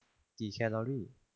กี่แคลอรี่